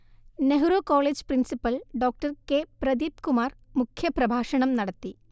Nehru college principal Dr K Pradeepkumar മുഖ്യപ്രഭാഷണം നടത്തി